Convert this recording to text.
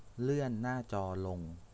เลื่อนหน้าจอลง